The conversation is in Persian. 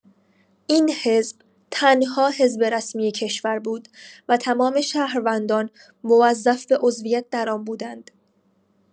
این حزب تنها حزب رسمی کشور بود و تمام شهروندان موظف به عضویت در آن بودند.